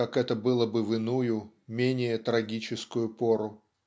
как это было бы в иную менее трагическую пору.